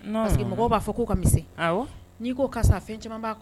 Mɔgɔw b'a fɔ n' ko fɛn caman'